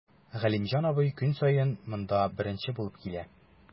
Галимҗан абый көн саен монда беренче булып килә.